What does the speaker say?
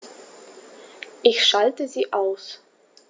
Ich schalte sie aus.